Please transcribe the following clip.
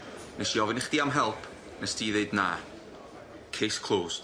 Nes i ofyn i chdi am help nes ti ddeud na. Case closed.